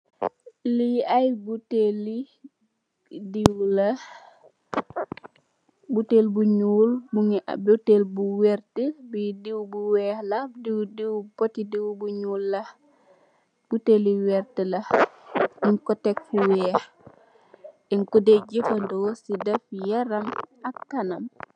Li ay botali dew la botale bu nuul monge botal bu werta fi dew bu weex la dew dew poti dew bu nuul la botale dew bu werta la nyun ko tek fu weex den ko deey jefendo pul def yaram ak kanam.